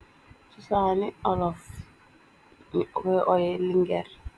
Cusaani olof, ñu koy oye lingeer.